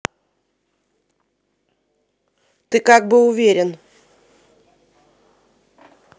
ты как бы уверен